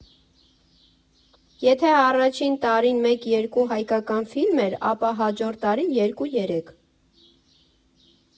Եթե առաջին տարին մեկ֊երկու հայկական ֆիլմ էր, ապա հաջորդ տարի երկու֊երեք։